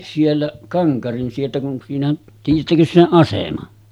siellä Kankarin sieltä kun siinä tiedättekös sen aseman